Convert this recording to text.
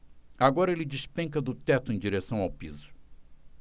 agora ele despenca do teto em direção ao piso